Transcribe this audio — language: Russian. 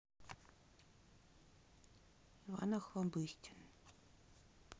иван охлобыстин